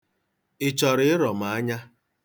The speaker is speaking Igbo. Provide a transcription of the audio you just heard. Ị chọrọ ịrọ m anya?